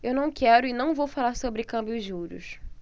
eu não quero e não vou falar sobre câmbio e juros